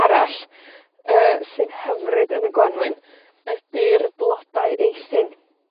arall, yy, sy'n hyfryd yn y Gwanwyn ydi'r blodau Eithin.